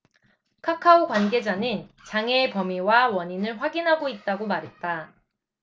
카카오 관계자는 장애의 범위와 원인을 확인하고 있다 고 말했다